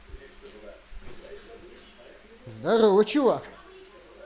здоровый чувак